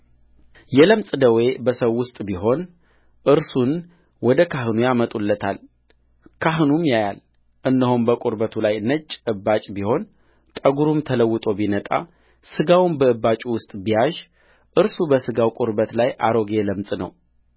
የለምጽ ደዌ በሰው ውስጥ ቢሆን እርሱን ወደ ካህኑ ያመጡለታልካህኑም ያያል እነሆም በቁርበቱ ላይ ነጭ እባጭ ቢሆን ጠጕሩም ተለውጦ ቢነጣ ሥጋውም በእባጩ ውስጥ ቢያዥእርሱ በሥጋው ቁርበት ላይ አሮጌ ለምጽ ነው